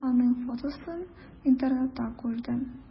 Мин аның фотосын интернетта күрдем.